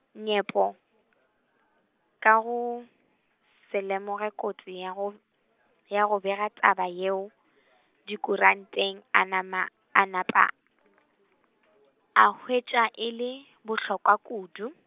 Nyepo, ka go, se lemoge kotsi ya go , ya go bega taba yeo, dikuranteng a nama, a napa , a hwetša e le, bohlokwa kudu.